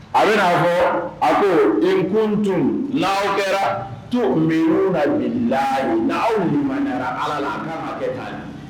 A bɛnaa fɔ a ko inkuntu n'aw kɛra to mi na la aw ala la